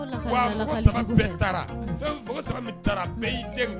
Taara taara bɛɛ